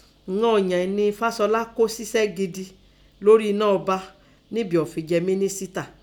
ìghan ọ̀ọ̀yàn ìín nẹ Fáṣọlá kó sisẹ́ gidi lórí ẹná ọba nígbì ọ fin jẹ mínísítà.